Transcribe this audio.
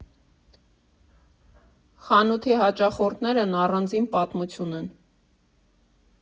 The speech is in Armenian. Խանութի հաճախորդներն առանձին պատմություն են։